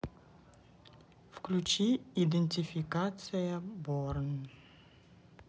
включи идентификация борн